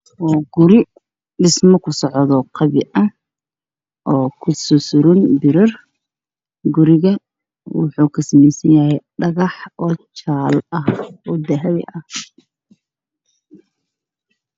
Meeshaan waxaa iga muuqda guri isna ku socdo guriga wuxuu ka samaysan yahay dhagax al waax ayaa lagu celinayaa